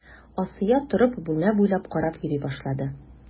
Асия торып, бүлмә буйлап карап йөри башлады.